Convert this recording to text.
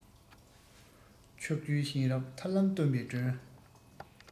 ཕྱོགས བཅུའི གཤེན རབ ཐར ལམ སྟོན པའི སྒྲོན